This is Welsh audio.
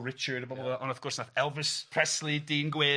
ond wrth gwrs wnaeth Elvis Presley dyn gwyn... Ia...